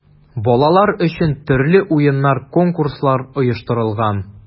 Балалар өчен төрле уеннар, конкурслар оештырылган.